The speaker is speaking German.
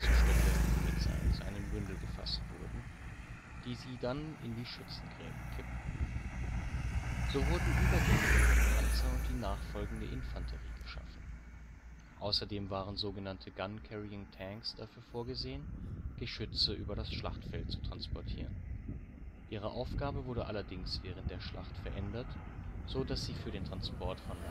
Stöcke, die mit Seilen zu einem Bündel gefasst wurden) mit sich, die sie dann in die Schützengräben kippten. So wurden Übergänge für die Panzer und die nachfolgende Infanterie geschaffen. Außerdem waren so genannte " Gun-Carrying-Tanks " dafür vorgesehen, Geschütze über das Schlachtfeld zu transportieren. Ihre Aufgabe wurde allerdings während der Schlacht verändert, so dass sie für den Transport von